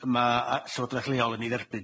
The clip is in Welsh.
ma' y- llywodreth leol yn ei dderbyn.